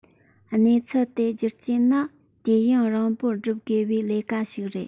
གནས ཚུལ དེ བསྒྱུར རྒྱུ ནི དུས ཡུན རིང པོར བསྒྲུབ དགོས པའི ལས ཀ ཞིག རེད